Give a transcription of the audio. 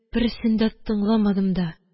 Берсен дә тыңламадым да